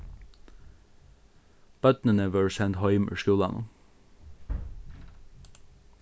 børnini vórðu send heim úr skúlanum